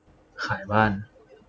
ขายบ้าน